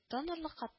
Донорлыкка